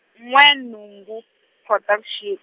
n'we nhungu, Khotavuxi-.